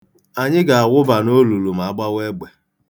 Anyị ga-awụba n'olulu ma a gbawa egbe.